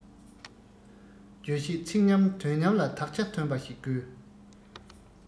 རྗོད བྱེད ཚིག ཉམས དོན ཉམས ལ དག ཆ ཐོན པ ཞིག དགོས